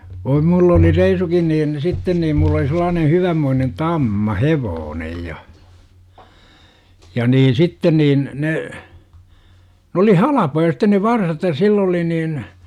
voi minulla - oli reisunkin niin sitten niin minulla oli sellainen hyvänmoinen tamma hevonen ja ja niin sitten niin ne ne oli halpoja sitten ne varsat ja sillä oli niin